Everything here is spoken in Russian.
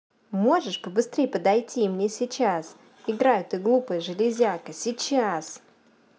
можешь побыстрее подойти и мне сейчас играю ты глупая железяка сейчас